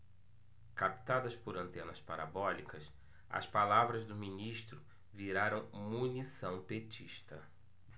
captadas por antenas parabólicas as palavras do ministro viraram munição petista